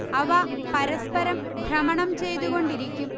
അവ പരസ്പരം ഭ്രമണം ചെയ്തുകൊണ്ടിരിക്കും